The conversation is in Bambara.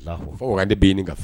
Bɛ' ɲini nin